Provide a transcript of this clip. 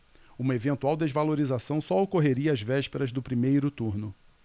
uma eventual desvalorização só ocorreria às vésperas do primeiro turno